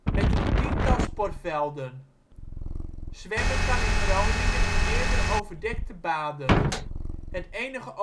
met een 10-tal sportvelden. Zwemmen kan in Groningen in meerdere overdekte baden. Het enige openluchtbad